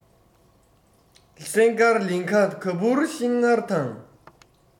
སེང དཀར ལིངྒ ག བུར ཤིང མངར དང